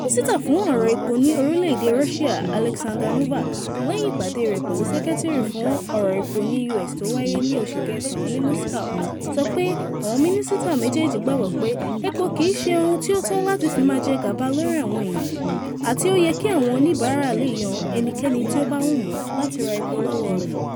"Mínísítà fún ọ̀rọ̀ epo ní orílẹ̀èdè Russia Aleksandr Novak, lẹ́yìn ìpàdé rẹ̀ pẹ̀lú Sẹ́kẹ́tìrì fún ọ̀rọ̀ epo ni US tó wáyé ní oṣù kẹsàán ní Moscow sọ pé àwọn Mínísítà méjèèjì gbàgbọ́ pé epo kìí ṣe ohun tí ó tọ́ láti máa fi jẹ gàba lórí àwọn ènìyàn àti o yẹ kí àwọn oníbàárà le yan ẹnikẹ́ni tí ó bá wù wọ́n láti ra epo lọ́wọ́ rẹ̀.